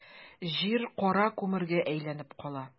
Җир кара күмергә әйләнеп кала.